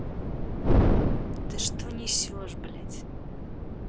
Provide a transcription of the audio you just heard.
ты что несешь блять